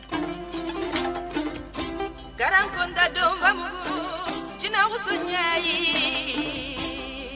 Garankun ka don ma jinɛmusoya ye